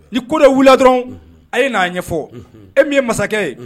Ni ko dɔ wulila dɔrɔn a ye n'a ɲɛfɔ unhun e min ye masakɛ ye